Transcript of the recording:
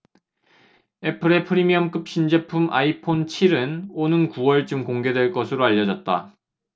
애플의 프리미엄급 신제품 아이폰 칠 은 오는 구 월쯤 공개될 것으로 알려졌다